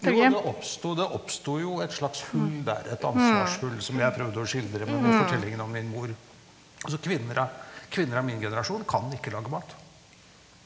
jo det oppsto det oppsto jo et slags hull der, et ansvarshull som jeg har prøvd å skildre med den fortellingen om min mor, altså kvinner av kvinner av min generasjon kan ikke lage mat.